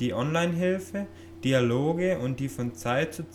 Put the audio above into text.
Onlinehilfe, Dialoge und die von Zeit